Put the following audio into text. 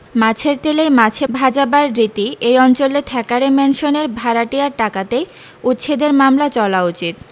মাছের তেলেই মাছে ভাজাবার রীতি এই অঞ্চলে থ্যাকারে ম্যানসনের ভাড়াটিয়ার টাকাতেই উচ্ছেদের মামলা চলা উচিত